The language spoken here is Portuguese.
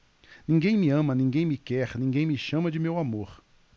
ninguém me ama ninguém me quer ninguém me chama de meu amor